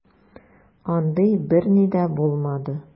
Андый берни дә булмады.